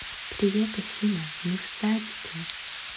привет афина мы садике